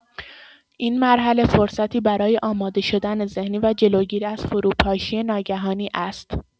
این مرحله فرصتی برای آماده شدن ذهنی و جلوگیری از فروپاشی ناگهانی است.